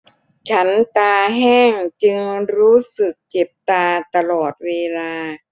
ฉันตาแห้งจึงรู้สึกเจ็บตาตลอดเวลา